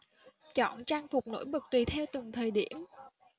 chọn trang phục nổi bật tùy theo từng thời điểm